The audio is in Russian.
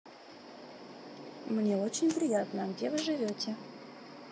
мне очень приятно а где вы живете